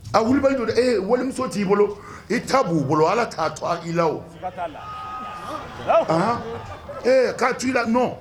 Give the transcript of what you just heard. Ali kulubali walimuso t'i bolo e ta b'u bolo ala k'a to i la o a ɛɛ k'a t i la nɔ